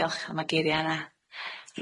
Diolch am y geiria' yna.